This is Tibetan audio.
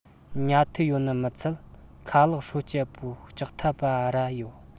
ཉལ ཐུལ ཡོད ནི མི ཚད ཁ ལག སྲོ སྤྱད པོ ལྕགས ཐབ པ ར ཡོད